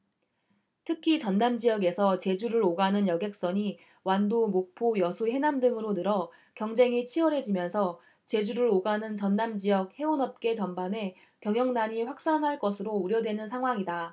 특히 전남지역에서 제주를 오가는 여객선이 완도 목포 여수 해남 등으로 늘어 경쟁이 치열해지면서 제주를 오가는 전남지역 해운업계 전반에 경영난이 확산할 것으로 우려되는 상황이다